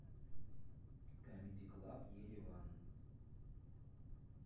камеди клаб ереван